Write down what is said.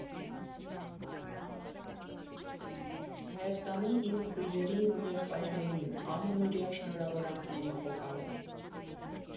Հայաստանի իմ քույրերին ու եղբայրներին՝ ամանորյա շնորհավորանքների փոխարեն։